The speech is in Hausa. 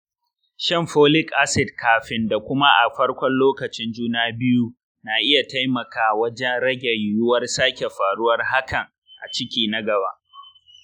shan folic acid kafin da kuma a farkon lokacin juna biyu na iya taimaka wajen rage yiwuwar sake faruwar hakan a ciki na gaba.